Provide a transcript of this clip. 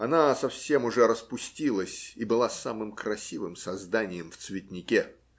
Она совсем уже распустилась и была самым красивым созданием в цветнике.